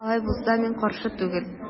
Алай булса мин каршы түгел.